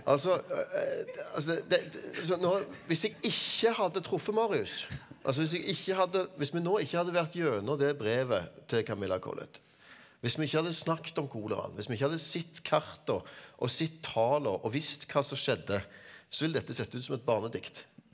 altså altså nå hvis jeg ikke hadde truffet Marius, altså hvis jeg ikke hadde hvis vi nå ikke hadde vært gjennom det brevet til Camilla Collett, hvis vi ikke hadde snakket om koleraen, hvis vi ikke hadde sett kartene og sett talla og visst hva som skjedde, så vil dette sett ut som et barnedikt.